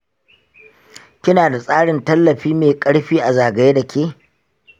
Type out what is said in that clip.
kina da tsarin tallafi mai karfi a zagaye dake.